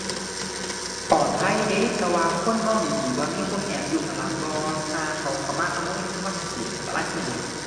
ปลอดภัยเดะ แต่ว่าควรมองดีดีว่ามีคนแอบอยู่ข้างหลังบ่ ห่าเขาเข้ามาขโมยเงินเราจั่งซี้ อันตรายคือหยังหนิ